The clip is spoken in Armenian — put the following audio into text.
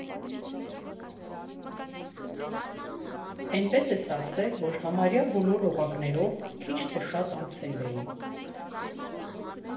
Էնպես է ստացվել, որ համարյա բոլոր օղակներով քիչ թե շատ անցել էի։